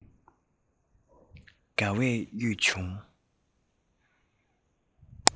དགའ བས གཡོས བྱུང